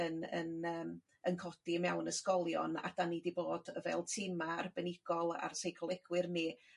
yn yn yym yn codi mewn ysgolion a 'dan ni 'di bod fel tima arbenigol a'r seicolegwyr ni